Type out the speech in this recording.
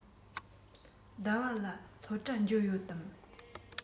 ཟླ བ ལགས སློབ གྲྭར འབྱོར ཡོད དམ